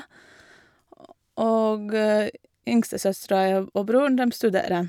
Og yngstesøstera jev og broren, dem studerer.